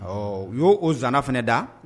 Ɔ u y'o o zana fana da